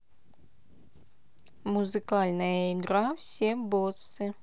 музыкальная игра все боссы